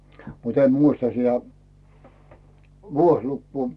mutta en muista sitä vuosilukua